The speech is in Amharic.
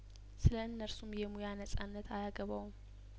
ስለእነርሱም የሙያነጻነት አያገባውም